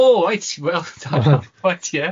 O wyt, wel da wyt ie.